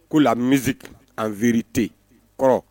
K' la misi an vte kɔrɔ